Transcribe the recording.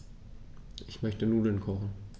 Ich möchte Nudeln kochen.